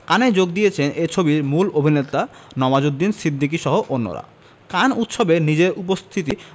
কানে যোগ দিয়েছেন এ ছবির মূল অভিনেতা নওয়াজুদ্দিন সিদ্দিকীসহ অন্যরা কান উৎসবে নিজের উপস্থিতি